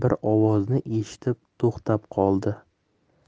bir ovozni eshitib to'xtab qoldi